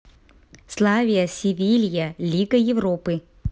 славия севилья лига европы